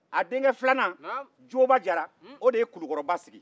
a denkɛ filanan joba jara o de ye kulukɔrɔba sigi